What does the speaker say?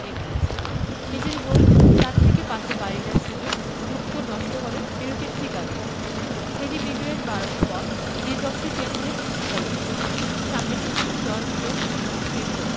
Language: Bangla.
এই ম্যাচ নিজের গোল চার থেকে পাঁচে বাড়িয়ে নেওয়ার সুযোগ লুকাকু নষ্ট করেন বিরতির ঠিক আগে হ্যারি মিগুয়েরের বাড়ানো বল ডি বক্সে পেয়েছিলেন লুকাকু সামনে শুধু জন স্টোনস ও পিকফোর্ড